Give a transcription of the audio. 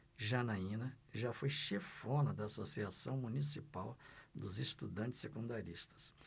janaina foi chefona da ames associação municipal dos estudantes secundaristas